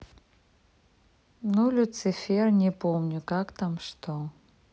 ну люцифер не помню как там что